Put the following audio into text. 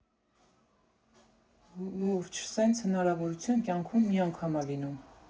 Լուրջ, սենց հնարավորություն կյանքում մի անգամ ա լինում։